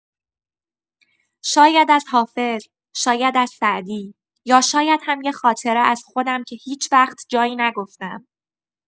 شاید از حافظ، شاید از سعدی، یا شاید هم یه خاطره از خودم که هیچ‌وقت جایی نگفتم.